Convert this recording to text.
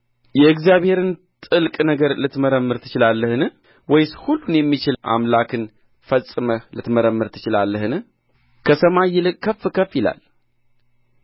የእግዚአብሔርን ጥልቅ ነገር ልትመረምር ትችላለህን ወይስ ሁሉን የሚችል አምላክ ፈጽመህ ልትመረምር ትችላለህን ከሰማይ ይልቅ ከፍ ይላል